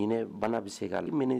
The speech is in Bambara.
Hinɛ bana bɛ se k kali minɛ